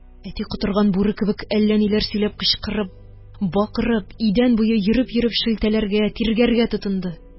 Әти котырган бүре кебек әллә ниләр сөйләп кычкырып-бакырып, идән буе йөреп-йөреп шелтәләргә, тиргәргә тотынды